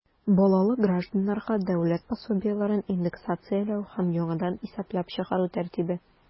Балалы гражданнарга дәүләт пособиеләрен индексацияләү һәм яңадан исәпләп чыгару тәртибе.